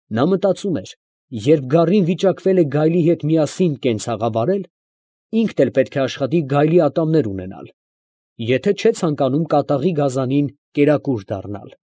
Նա մտածում էր, երբ գառին վիճակվել է գայլի հետ միասին կենցաղավարել, ինքն էլ պետք է աշխատի գայլի ատամներ ունենալ, եթե չէ ցանկանում կատաղի գազանին կերակուր դառնալ։